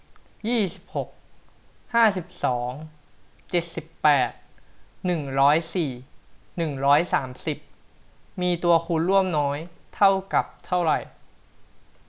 ยี่สิบหกห้าสิบสองเจ็ดสิบแปดหนึ่งร้อยสี่หนึ่งร้อยสามสิบมีตัวคูณร่วมน้อยเท่ากับเท่าไหร่